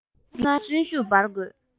ཚོར སྣང གི གསོན ཤུགས སྦར དགོས